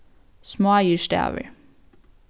smáir stavir